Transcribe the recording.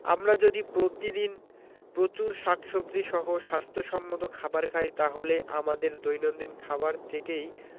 আমরা যদি প্রতিদিন প্রচুর শাকসবজী সহ স্বাস্থ্য সম্মত খাবার খাই তাহলে আমাদের দৈনন্দিন খাবার থেকেই